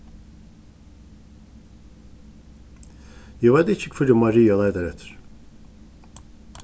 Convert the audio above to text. eg veit ikki hvørjum maria leitar eftir